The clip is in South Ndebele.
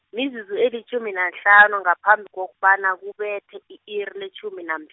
mizuzu elitjhumi nahlanu ngaphambi kokubana kubethe i-iri letjhumi nam-.